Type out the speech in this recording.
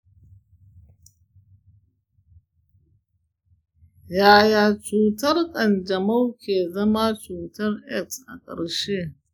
yaya cutar kanjamau ke zama cutar aids a ƙarshe?